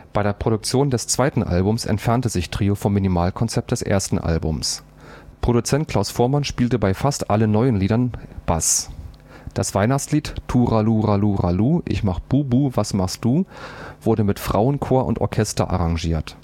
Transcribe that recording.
Bei der Produktion des zweiten Albums entfernte sich Trio vom Minimal-Konzept des ersten Albums. Produzent Klaus Voormann spielte bei fast allen neuen Liedern Bass. Das Weihnachtslied „ Turaluraluralu – Ich mach BuBu was machst du “wurde mit Frauenchor und Orchester arrangiert